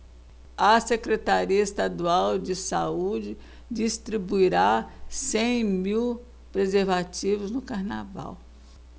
a secretaria estadual de saúde distribuirá cem mil preservativos no carnaval